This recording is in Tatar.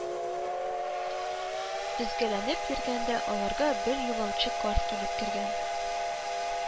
Өзгәләнеп йөргәндә, аларга бер юлаучы карт килеп кергән